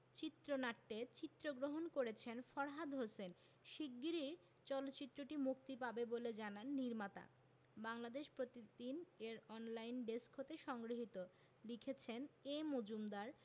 চিত্রনাট্যে চিত্রগ্রহণ করেছেন ফরহাদ হোসেন শিগগিরই চলচ্চিত্রটি মুক্তি পাবে বলে জানান নির্মাতা বাংলাদেশ প্রতিদিন এর অনলাইন ডেস্ক হতে সংগৃহীত লিখেছেনঃ এ মজুমদার